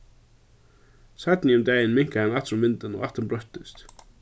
seinni um dagin minkaði hann aftur um vindin og ættin broyttist